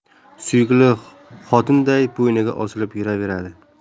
suyukli xotinday bo'yniga osilib yuraveradi